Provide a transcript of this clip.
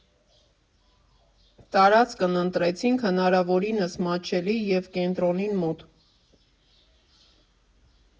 Տարածքն ընտրեցինք հնարավորինս մատչելի և կենտրոնին մոտ։